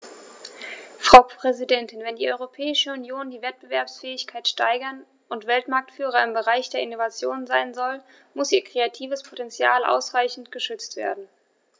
Frau Präsidentin, wenn die Europäische Union die Wettbewerbsfähigkeit steigern und Weltmarktführer im Bereich der Innovation sein soll, muss ihr kreatives Potential ausreichend geschützt werden.